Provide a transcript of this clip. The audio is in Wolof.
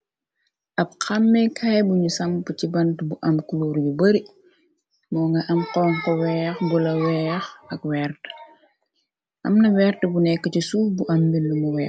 ab xamme kaay buñu samp ci bant bu am kluur yu bari moo nga am xom xo weex bu la weex ak wert amna wert bu nekk ci suuf bu ambi namu wee